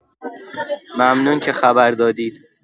ممنون که خبر دادید.